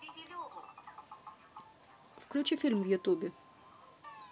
включи фильм в ютубе